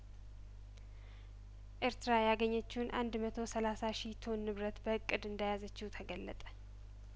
ኤርትራ ያገኘችውን አንድ መቶ ሰላሳ ሺ ቶንንብረት በእቅድ እንደያዘችው ተገለጠ